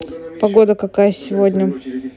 погода какая сегодня